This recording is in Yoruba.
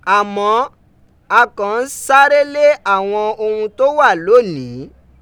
Amọ, a kan n sare le awọn ohun to wa lonii.